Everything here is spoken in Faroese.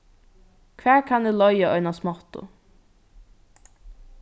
hvar kann eg leiga eina smáttu